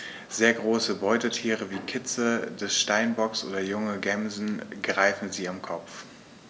Sehr große Beutetiere wie Kitze des Steinbocks oder junge Gämsen greifen sie am Kopf.